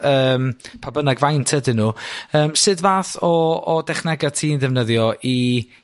yym pa bynnag faint ydyn nw, yym sud fath o o dechnega ti'n ddefnyddio i